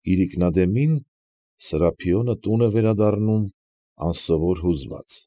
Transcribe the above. Իրիկնադեմին Սրափիոնը տուն է վերադառնում անսովոր հուզված։